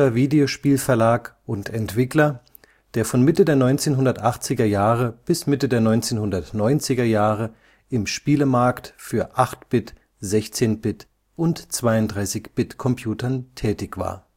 Videospiel-Verlag und Entwickler, der von Mitte der 1980er Jahre bis Mitte der 1990er Jahre im Spielemarkt für 8-Bit, 16-Bit and 32-Bit Computern tätig war